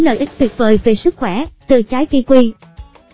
những lợi ích tuyệt vời về sức khoẻ từ trái kiwi